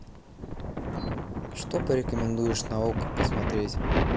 что порекомендуешь на окко посмотреть